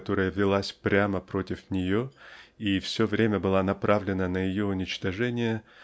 которая велась прямо против нее и все время была направлена на ее уничтожение